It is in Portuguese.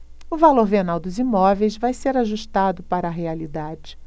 o valor venal dos imóveis vai ser ajustado para a realidade